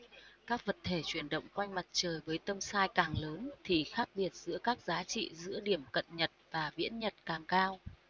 các vật thể chuyển động quanh mặt trời với tâm sai càng lớn thì khác biệt giữa các giá trị giữa điểm cận nhật và viễn nhật càng cao